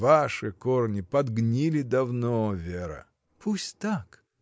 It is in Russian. — Ваши корни подгнили давно, Вера! — Пусть так!